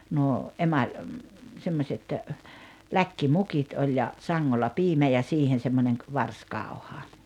nuo emali semmoiset läkkimukit oli ja sangolla piimä ja siihen semmoinen - varsikauha